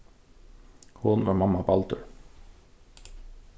hon var mamma baldur